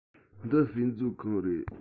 འདི དཔེ མཛོད ཁང རེད